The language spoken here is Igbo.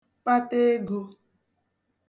kpata egō